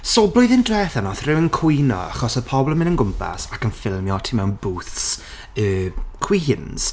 So blwyddyn diwethaf wnaeth rhywun cwyno achos oedd pobl yn mynd o gwmpas, ac yn ffilmio tu mewn booths y queens.